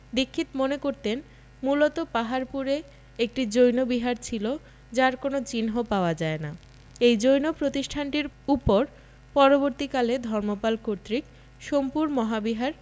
দীক্ষিত মনে করতেন মূলত পাহাড়পুরে একটি জৈন বিহার ছিল যার কোন চিহ্ন পাওয়া যায় না এই জৈন প্রতিষ্ঠানটির উপর পরবর্তীকালে ধর্মপাল কর্তৃক সোমপুর মহাবিহার